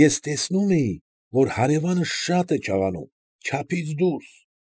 Ես տեսնում էի, որ հարևանս շատ է չաղանում, չափից դուրս։